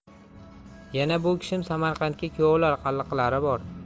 yana bu kishim samarqandga kuyovlar qalliqlari bor